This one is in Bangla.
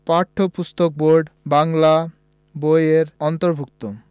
পাঠ্যপুস্তক বোর্ড বাংলা বই এর অন্তর্ভুক্ত